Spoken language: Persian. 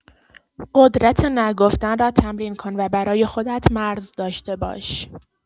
قدرت «نه گفتن» را تمرین کن و برای خودت مرز داشته باش.